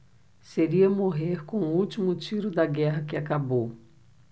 seria morrer com o último tiro da guerra que acabou